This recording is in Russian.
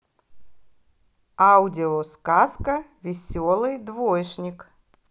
аудио сказка веселый двоечник